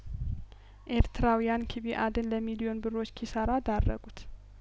ኤርትራውያን ኪቤአድን ለሚሊዮን ብሮች ኪሳራ ዳረጉት